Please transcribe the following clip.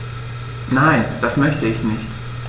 Nein, das möchte ich nicht.